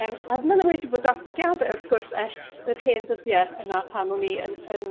Yym ac ma' 'na wedi bod datblygiade wrth gwr ers yr hen ddyddiau y pan oni'n